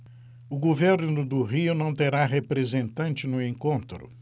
o governo do rio não terá representante no encontro